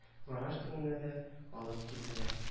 Гараж төбенә дә алып килделәр